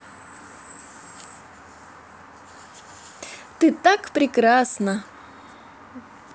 ты так прекрасна